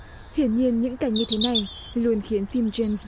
hiển nhiên những cảnh như thế này luôn khiến phim dêm